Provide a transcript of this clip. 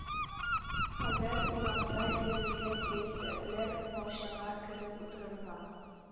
Кадәр урамда йөрергә яисә берәр бакчага кереп утырырга